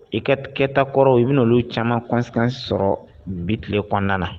I kakɛta kɔrɔ i bɛ n' olu caman kɔnsan sɔrɔ biti kɔnɔna na